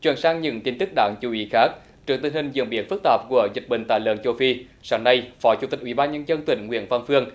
chuyển sang những tin tức đáng chú ý khác trước tình hình diễn biến phức tạp của dịch bệnh tả lợn châu phi sáng nay phó chủ tịch ủy ban nhân dân tỉnh nguyễn văn phương